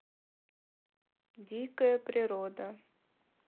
дикая природа